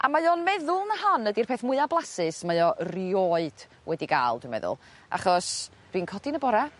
A mae o'n meddwl na hon ydi'r peth mwya blasus mae o rioed wedi ga'l dwi'n meddwl achos dwi'n codi 'n y bora'